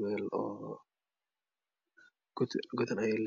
meel oo ah godan.